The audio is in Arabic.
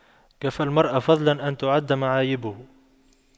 كفى المرء فضلا أن تُعَدَّ معايبه